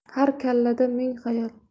har kallada ming xayol